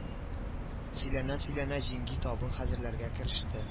Сөйләнә-сөйләнә җиңги табын хәзерләргә кереште